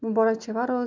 muborak chevaru